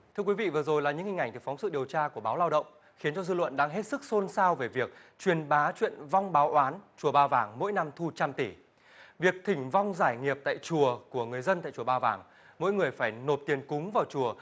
thưa quý vị vừa rồi là những hình ảnh được phóng sự điều tra của báo lao động khiến cho dư luận đang hết sức xôn xao về việc truyền bá chuyện vong báo oán chùa ba vàng mỗi năm thu trăm tỷ việc thỉnh vong giải nghiệp tại chùa của người dân tại chùa ba vàng mỗi người phải nộp tiền cúng vào chùa